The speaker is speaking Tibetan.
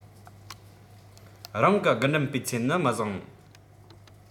རང གི རྒུན འབྲུམ སྤུས ཚད ནི མི བཟང